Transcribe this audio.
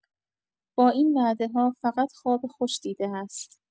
با این وعده‌ها فقط خواب خوش دیده است.